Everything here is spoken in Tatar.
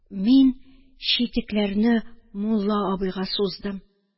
Мин читекләрне мулла абыйга суздым.